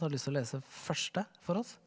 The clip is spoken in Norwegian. har du lyst til å lese første for oss?